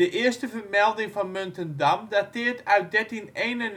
eerste vermelding van Muntendam dateert uit 1391